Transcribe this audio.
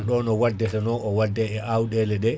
ɗon o wadde e awɗeele ɗe